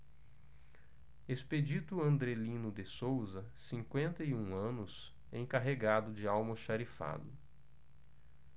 expedito andrelino de souza cinquenta e um anos encarregado de almoxarifado